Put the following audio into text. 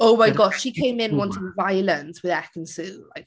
Oh my God she came in wanting violence with Ekin Su, like...